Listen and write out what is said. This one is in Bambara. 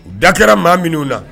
da kɛra maa minnu na.